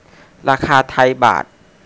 ราคาไทยบาท